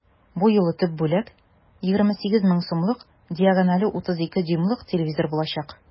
Бу юлы төп бүләк 28 мең сумлык диагонале 32 дюймлык телевизор булачак.